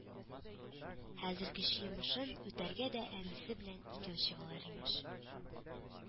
Хәзер кече йомышын үтәргә дә әнисе белән икәү чыгалар, имеш